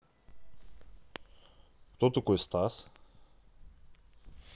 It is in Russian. кто такой стас